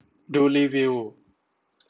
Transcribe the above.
ดูรีวิว